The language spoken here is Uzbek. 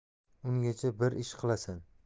ungacha bir ish qilasan